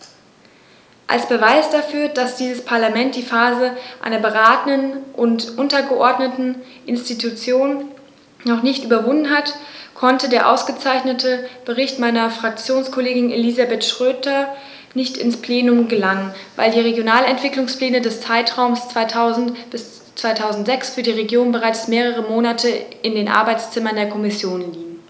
Als Beweis dafür, dass dieses Parlament die Phase einer beratenden und untergeordneten Institution noch nicht überwunden hat, konnte der ausgezeichnete Bericht meiner Fraktionskollegin Elisabeth Schroedter nicht ins Plenum gelangen, weil die Regionalentwicklungspläne des Zeitraums 2000-2006 für die Regionen bereits mehrere Monate in den Arbeitszimmern der Kommission liegen.